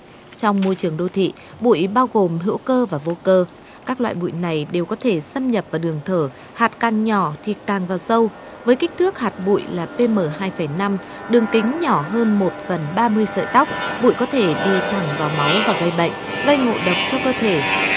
trong môi trường đô thị bụi bao gồm hữu cơ và vô cơ các loại bụi này đều có thể xâm nhập vào đường thở hạt càng nhỏ thì càng vào sâu với kích thước hạt bụi là pê mờ hai phẩy năm đường kính nhỏ hơn một phần ba mươi sợi tóc bụi có thể đi thẳng vào máu và gây bệnh gây ngộ độc cho cơ thể